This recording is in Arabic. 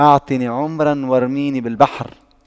اعطني عمرا وارميني بالبحر